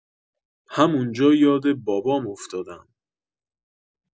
همون‌جا یاد بابام افتادم.